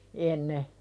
ennen